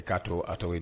I k'a to a tɔgɔ ye di